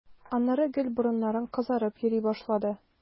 Аннары гел борыннарың кызарып йөри башлады.